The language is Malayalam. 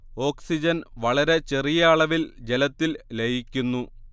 ഓക്സിജൻ വളരെ ചെറിയ അളവിൽ ജലത്തിൽ ലയിക്കുന്നു